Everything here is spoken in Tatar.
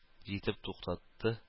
Җитеп туктатты